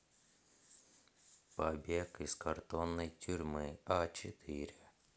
побег из картонной тюрьмы а четыре